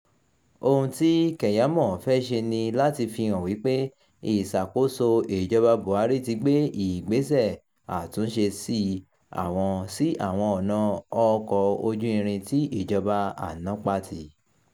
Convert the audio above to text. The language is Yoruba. Ohun tí Keyamo fẹ́ ṣe ni láti fi hàn wípé ìṣàkóso ìjọba Buhari ti gbé ìgbésẹ̀ àtúnṣe sí àwọn ọ̀nà ọkọ̀ọ ojú irin tí ìjọba àná pa tì.